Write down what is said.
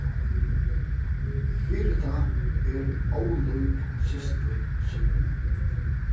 birita er ólík systur síni